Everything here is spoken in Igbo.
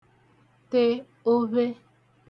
te ovhe